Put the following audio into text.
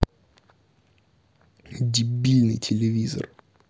дебильный телевизор